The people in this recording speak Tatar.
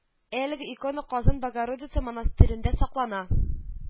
Әлеге икона Казан Богородица монастырендә саклана